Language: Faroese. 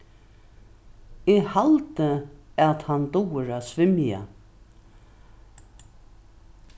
eg haldi at hann dugir at svimja